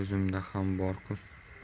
o'zimda ham bor ku